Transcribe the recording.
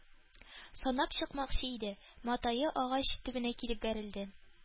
Санап чыкмакчы иде, матае агач төбенә килеп бәрелде.